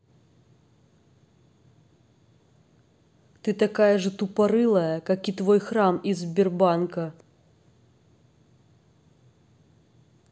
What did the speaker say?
ты такая же тупорылая как и твой храм из сбербанка